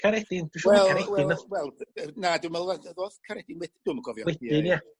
Caredin dwi siŵr ma' Caredin nath... We na dwi me'wl Caredin wed- dwi'm yn cofio... Wedyn ia? ..ia ia.